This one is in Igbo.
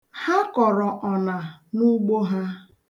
Ha kọrọ ọna n'ugbo ha.